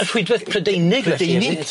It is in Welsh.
Y rhwydwaith Prydeinig? .